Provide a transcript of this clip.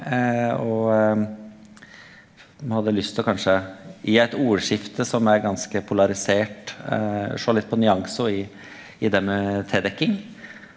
og me hadde lyst til å kanskje i eit ordskifte som er ganske polarisert å sjå litt på nyanse og i i det med dekking.